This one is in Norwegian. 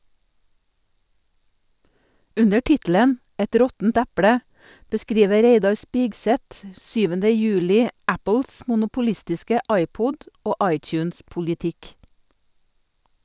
Under tittelen "Et råttent eple" beskriver Reidar Spigseth 7. juli Apples monopolistiske iPod- og iTunes-politikk.